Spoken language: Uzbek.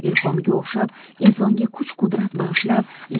ilhomiga o'xshab insonga kuch qudrat bag'ishlab